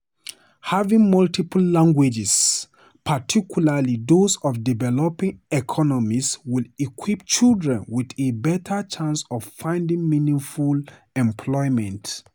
Having multiple languages, particularly those of developing economies, will equip children with a better chance of finding meaningful employment.